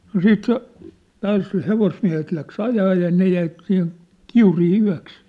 no sitten se taas se hevosmiehet lähti ajamaan ja ne jäi siihen Kiuriin yöksi